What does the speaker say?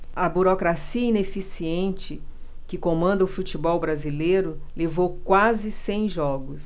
a burocracia ineficiente que comanda o futebol brasileiro levou quase cem jogos